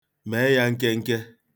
Mee ya nkenke.